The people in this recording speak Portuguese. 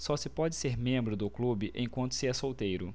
só se pode ser membro do clube enquanto se é solteiro